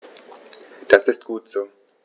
Das ist gut so.